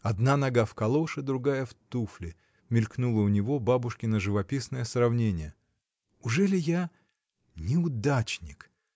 “одна нога в калоше, другая в туфле”, — мелькнуло у него бабушкино живописное сравнение. — Ужели я. “неудачник”?